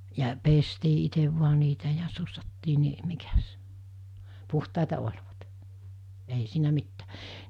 ja pestiin itse vain niitä ja sussattiin niin mikäs puhtaita olivat ei siinä mitään